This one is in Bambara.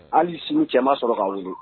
Hali y'i sigi cɛ sɔrɔ k'a wuli